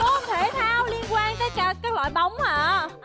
môn thể thao liên quan tới cái quả bóng ạ